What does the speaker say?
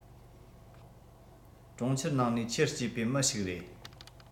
གྲོང ཁྱེར ནང ནས ཆེར སྐྱེས པའི མི ཞིག རེད